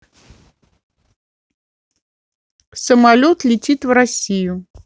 самолет летит в россию